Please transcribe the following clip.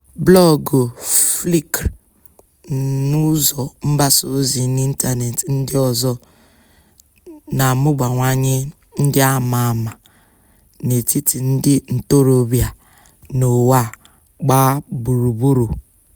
Blọọgụ, Flickr na ụzọ mgbasa ozi n'ịntanetị ndị ọzọ na-abụwanye ndị àmà àmá n'etiti ndị ntorobịa n'ụwa gbaa gburugburu.